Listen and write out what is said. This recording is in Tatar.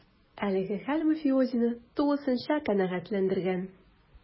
Әлеге хәл мафиозины тулысынча канәгатьләндергән: